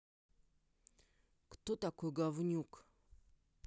кто такой говнюк